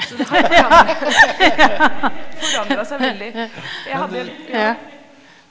ja ja ja.